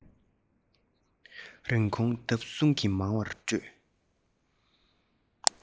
རིན གོང ལྡབ གསུམ གྱིས མང བར སྤྲོད